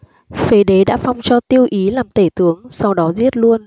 phế đế đã phong cho tiêu ý làm tể tướng sau đó giết luôn